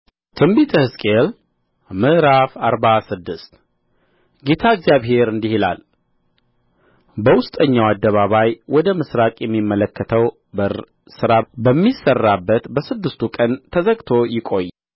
በትንቢተ ሕዝቅኤል ምዕራፍ አርባ ስድስት ጌታ እግዚአብሔር እንዲህ ይላል በውስጠኛው አደባባይ ወደ ምሥራቅ የሚመለከተው በር ሥራ በሚሠራበት በስድስቱ ቀን ተዘግቶ ይቈይ